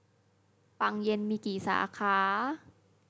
ปังเย็นมีกี่สาขา